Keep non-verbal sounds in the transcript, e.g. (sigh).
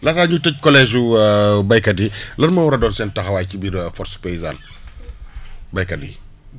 laataa ñuy tëj collège (hesitation) béykat yi (breath) lan moo war a doon seen taxawaayci biir (hesitation) force paysane (noise) béykat yi